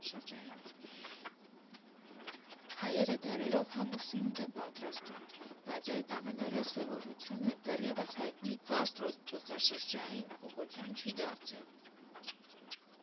«Հայերը դարերով համով սնունդ են պատրաստում, բայց այդ ամենօրյա սովորությունը դեռևս հայտնի գաստրո զբոսաշրջային ուղղություն չի դարձել։